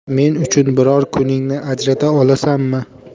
men uchun biror kuningni ajrata olasanmi